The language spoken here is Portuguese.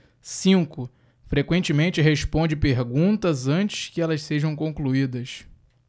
cinco frequentemente responde perguntas antes que elas sejam concluídas